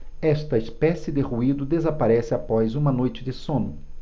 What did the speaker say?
esta espécie de ruído desaparece após uma noite de sono